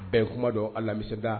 Bɛn kumadɔ allah misirida.